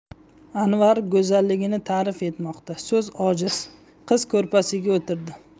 anvar go'zalligini ta'rif etmoqqa so'z ojiz bir qiz ro'parasiga o'tirdi